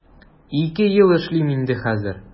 Ике ел эшлим инде хәзер.